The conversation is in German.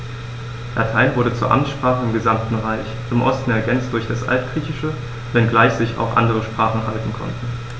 Latein wurde zur Amtssprache im gesamten Reich (im Osten ergänzt durch das Altgriechische), wenngleich sich auch andere Sprachen halten konnten.